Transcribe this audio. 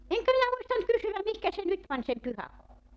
enkä minä muistanut kysyä mihinkä se nyt pani sen pyhäkoulun